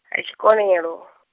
Ha Tshikonelo.